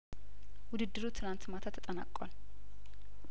ውድድሩ ትናንት ማታ ተጠናቋል